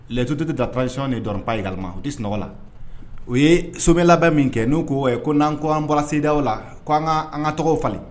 Lɛjurutu tɛ da tɔnsiɔn ni dɔrɔnp ye gama o tɛ sunɔgɔ la u ye sobɛ labɛn min kɛ n'u ko ko n'an ko an bɔra seda la' an ka tɔgɔw falen